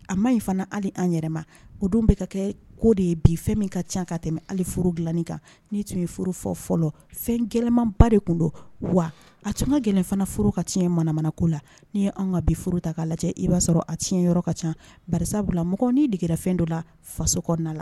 A ma in fana hali an yɛrɛma o don bɛ ka kɛ ko de ye bi fɛn min ka ca ka tɛmɛf dilanin kan n tun ye furu fɔ fɔlɔ fɛn gmaba de tun don wa a tun ka gɛlɛnfana furu ka ti manamana ko la n'i ye an ka bioro ta k'a lajɛ i b'a sɔrɔ a tiɲɛ yɔrɔ ka ca karisa bila mɔgɔ' degegera fɛn dɔ la faso kɔnɔna la